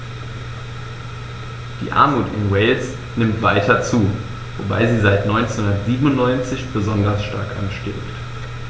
Die Armut in Wales nimmt weiter zu, wobei sie seit 1997 besonders stark ansteigt.